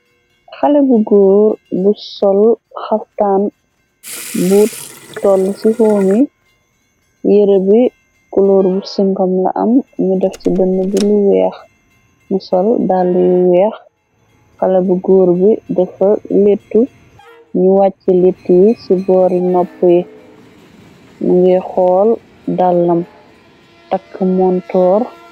Xale bu góor bu sol xaftaan, buu toll ci xoom. yere bi kuloor bu sincom la am, nu def ci bënn bi lu weex, ni sol dall yu weex, xale bu góor bi defa lettu, ñu wàcc litt yi ci boor yi nopp ye, ngay xool dàllam takk montoor.